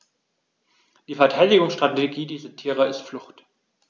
Die Verteidigungsstrategie dieser Tiere ist Flucht.